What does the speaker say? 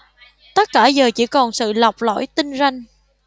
tất cả giờ chỉ còn sự lọc lõi tinh ranh